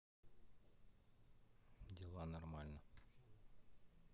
дела нормально